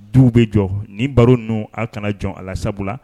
Du bɛ jɔ nin baro n ninnu aw kana jɔ a sabula